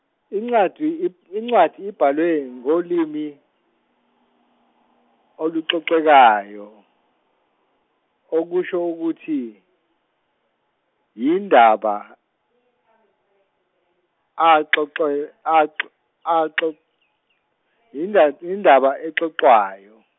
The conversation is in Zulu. incwadi incwadi ibhalwe ngolimi, oluxoxekayo, okusho ukuthi, yindaba exoxwa- exo- exo- yinda- yindaba exoxwayo.